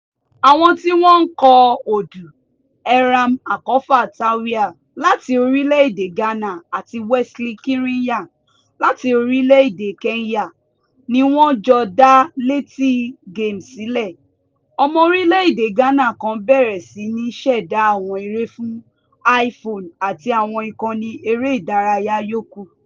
Àwọn tí wọ́n ń kọ odù, Eyram Akorfa Tawiah láti orílẹ̀ èdè Ghana àti Wesley Kirinya láti orílẹ̀ èdè Kenya ni wọ́n jọ dá Leti Games sílẹ̀, ọmọ orílẹ̀ èdè Ghana kan bẹ̀rẹ̀ sí ní ṣẹ̀dá àwọn eré fún IPhone àti àwọn ìkànnì eré ìdárayá yókù.